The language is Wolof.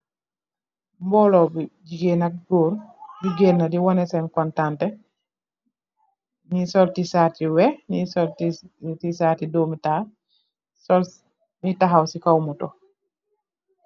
Mbuloh bi gigeen ak gorr nyunge genah di waneh sen kontante nyunge sul t-shirt yu wekh nyunge sul t-shirt yu dome taal nyunge takhaw si kaw motor